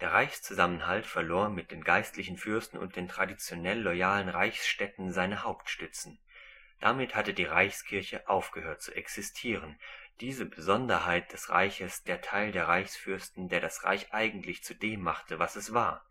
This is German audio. Der Reichszusammenhalt verlor mit den geistlichen Fürsten und den traditionell loyalen Reichsstädten seine Hauptstützen. Damit hatte die Reichskirche aufgehört zu existieren, diese Besonderheit des Reiches, der Teil der Reichsfürsten, der das Reich eigentlich zu dem machte, was es war